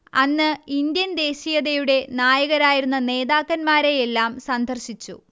അന്ന് ഇൻഡ്യൻ ദേശീയതയുടെ നായകരായിരുന്ന നേതാക്കന്മാരെയെല്ലാം സന്ദർശിച്ചു